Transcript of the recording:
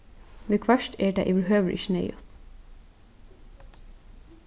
viðhvørt er tað yvirhøvur ikki neyðugt